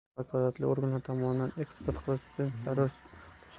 vakolatli organlar tomonidan eksport qilish uchun zarur